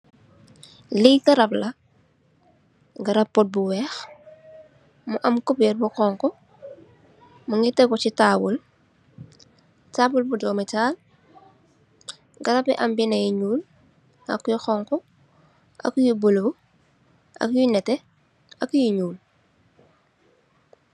Lii garab la, garab pot bi weex, mu kubeer bu xoñxu, mu ngi teggu si taabul, taabul bu döömi taal, garab bu am bindë yu ñuul, ak lu xoñxu, ak yu bulo, ak yu nétté ak yu ñuul.